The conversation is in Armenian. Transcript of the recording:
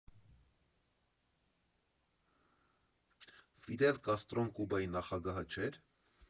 Ֆիդել Կաստրոն Կուբայի նախագահը չէ՞ր։